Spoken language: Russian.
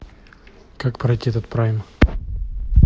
как пройти этот прайм